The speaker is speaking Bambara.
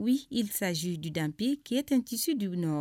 U sazodud pe keet tɛsu deɔ